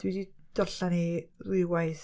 Dwi 'di darllen hi ddwywaith.